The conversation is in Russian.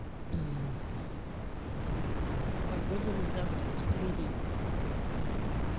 погода на завтра в твери